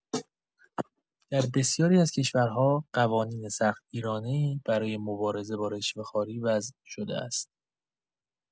در بسیاری از کشورها، قوانین سخت‌گیرانه‌ای برای مبارزه با رشوه‌خواری وضع شده است.